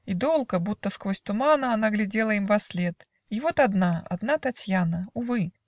И долго, будто сквозь тумана, Она глядела им вослед. И вот одна, одна Татьяна! Увы!